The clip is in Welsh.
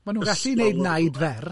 Maen nhw'n gallu wneud naid fer.